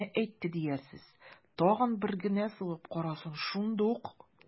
Менә әйтте диярсез, тагын бер генә сугып карасын, шундук...